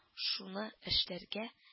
Шуны эшләргә